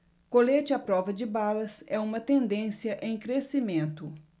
colete à prova de balas é uma tendência em crescimento